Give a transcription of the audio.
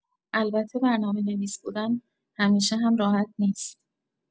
البته برنامه‌نویس بودن همیشه هم راحت نیست.